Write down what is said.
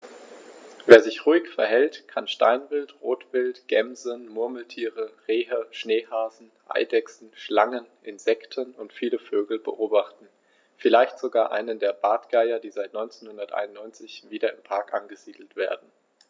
Wer sich ruhig verhält, kann Steinwild, Rotwild, Gämsen, Murmeltiere, Rehe, Schneehasen, Eidechsen, Schlangen, Insekten und viele Vögel beobachten, vielleicht sogar einen der Bartgeier, die seit 1991 wieder im Park angesiedelt werden.